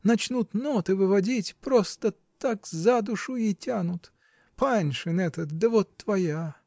Начнут ноты выводить, просто так за душу и тянут. Паншин этот да вот твоя.